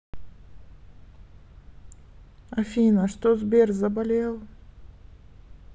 афина что сбер заболел